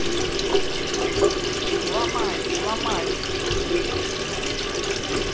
сломай сломай